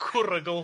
Cwrygl.